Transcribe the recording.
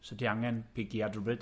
So ti angen pigiad rywbryd.